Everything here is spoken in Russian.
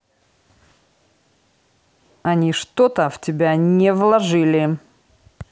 они что то в тебя не вложили